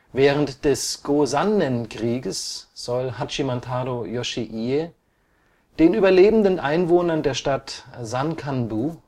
Während des Gosannen-Kriegs soll Hachimantarō Yoshiie den überlebenden Einwohnern der Stadt Sankanbu